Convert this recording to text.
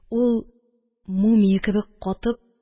Ул, мумия кебек катып